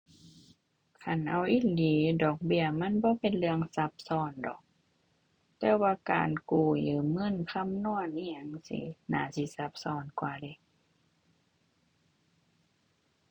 คันเอาอีหลี ดอกเบี้ยมันบ่เป็นเรื่องซับซ้อนดอก แต่ว่าการกู้ยืมเงิน คำนวณอิหยังจั่งซี้ น่าสิซับซ้อนกว่าเดะ